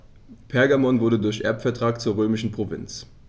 Pergamon wurde durch Erbvertrag zur römischen Provinz.